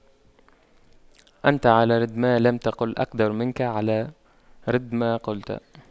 أنت على رد ما لم تقل أقدر منك على رد ما قلت